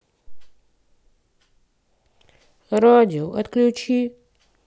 радио отключи